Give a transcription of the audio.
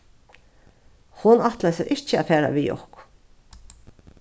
hon ætlaði sær ikki at fara við okkum